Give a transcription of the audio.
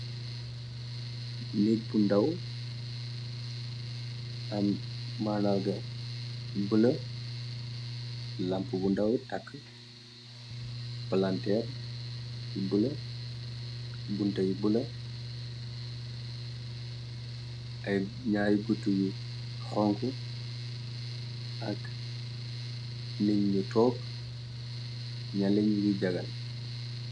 Nék bu ndaw. Am madarga bula lamp bu ndaw akk palanteer yu bula, bunte yu bula. Ay ñyaari gutu yu xonk ak niñ yu took ñyale ñyu ngi jagal.